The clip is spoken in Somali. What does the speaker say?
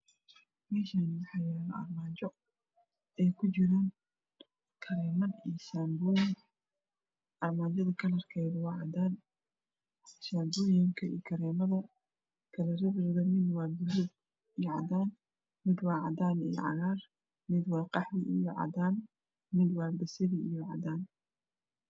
Halkan wax yalo armaajo kalar kedo waa cadan waxaa saran kareman iyo shaabo kalar kode waa cadan iyo cades iyo baluug iyo cagar binki